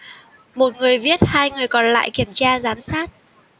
một người viết hai người còn lại kiểm tra giám sát